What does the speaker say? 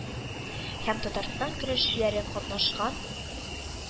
Һәм татарстан көрәшчеләре катнашкан.